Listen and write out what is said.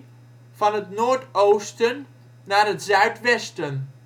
van het noordoosten naar het zuidwesten